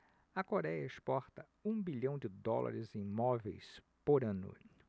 a coréia exporta um bilhão de dólares em móveis por ano